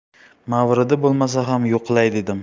mavridi bo'lmasa ham yo'qlay dedim